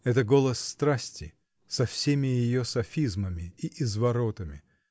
— Это голос страсти, со всеми ее софизмами и изворотами!